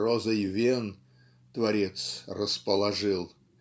розой вен" Творец "расположил"